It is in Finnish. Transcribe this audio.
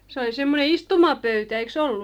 se oli semmoinen istumapöytä eikös ollut